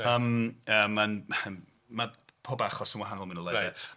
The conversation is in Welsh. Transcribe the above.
Yym, ia, mae'n... mae pob achos yn wahanol mwy neu lai... Reit.